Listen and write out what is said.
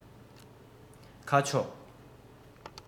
ཁ ཕྱོགས